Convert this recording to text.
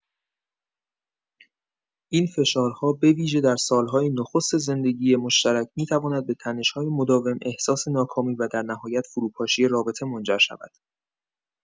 این فشارها به‌ویژه در سال‌های نخست زندگی مشترک می‌تواند به تنش‌های مداوم، احساس ناکامی و در نهایت فروپاشی رابطه منجر شود.